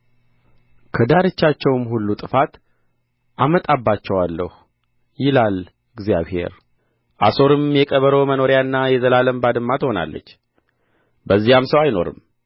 ከዳርቻቸውም ሁሉ ጥፋት አመጣባቸዋለሁ ይላል እግዚአብሔር አሶርም የቀበሮ መኖሪያና የዘላለም ባድማ ትሆናለች በዚያም ሰው አይኖርም